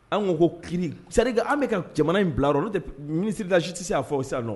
An ko ko ki sari an bɛka ka jamana in bila yɔrɔ n'o tɛ minisirida si tɛ se' fɔ o s nɔ